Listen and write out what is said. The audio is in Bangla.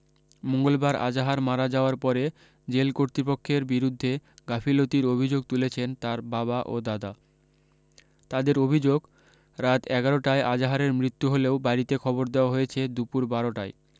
মঙ্গলবার আজাহার মারা যাওয়ার পরে জেল কর্তৃপক্ষের বিরুদ্ধে গাফিলতির অভি্যোগ তুলেছেন তার বাবা ও দাদা তাদের অভি্যোগ রাত এগারোটায় আজাহারের মৃত্যু হলেও বাড়ীতে খবর দেওয়া হয়েছে দুপুর বারো টায়